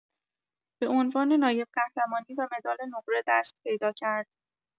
به عنوان نایب‌قهرمانی و مدال نقره دست پیدا کرد.